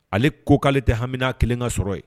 Ale ko k'ale tɛ hamimina kelenka sɔrɔ yen